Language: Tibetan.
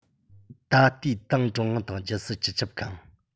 ད ལྟའི ཏང ཀྲུང དབྱང དང རྒྱལ སྲིད སྤྱི ཁྱབ ཁང